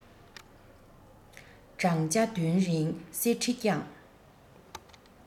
བགྲང བྱ བདུན རིང གསེར ཁྲི བསྐྱངས